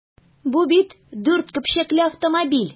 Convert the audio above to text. Бу бит дүрт көпчәкле автомобиль!